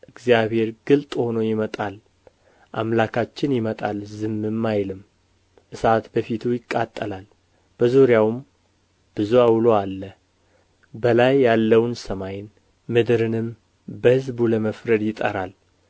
እግዚአብሔር ግልጥ ሆኖ ይመጣል አምላካችን ይመጣል ዝምም አይልም እሳት በፊት ይቃጠላል በዙሪያውም ብዙ ዐውሎ አለ በላይ ያለውን ሰማይን ምድርንም በሕዝቡ ለመፍረድ ይጠራል